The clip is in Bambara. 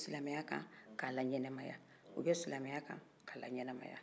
u bɛ silamɛya kan ka layanamaya